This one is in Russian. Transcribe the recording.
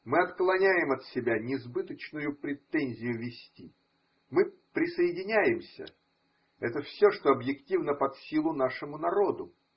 Мы отклоняем от себя несбыточную претензию вести: мы присоединяемся – это все, что объективно под силу нашему народу.